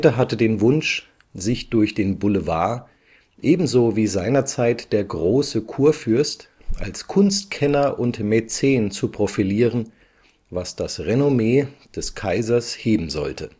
hatte den Wunsch, sich durch den Boulevard, ebenso wie seinerzeit der Große Kurfürst, als Kunstkenner und Mäzen zu profilieren, was das Renommee des Kaisers heben sollte